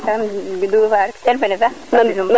kam dufa rek ten fene sax